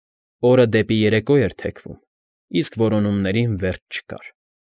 Օրը դեպի երեկո էր թեքվում, իսկ որոնումներին վերջ չկար։